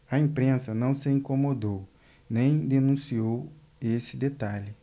a imprensa não se incomodou nem denunciou esse detalhe